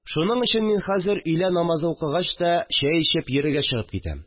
Шуның өчен мин хәзер өйлә намазы укыгач та, чәй эчеп, йөрергә чыгып китәм